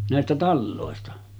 näistä taloista